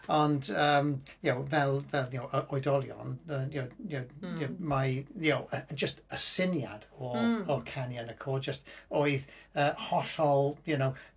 Ond yym, y'know, fel fel, y'know, yy oedolion yy, y'know y'know y'know, mae y'know jyst y syniad o o canu yn y côr jyst... oedd yy hollol, y'know...